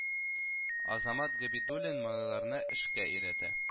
Азамат Габидуллин малайларны эшкә өйрәтә